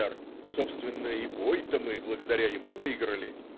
Р. - Собственно, и бой-то мы благодаря ему выиграли.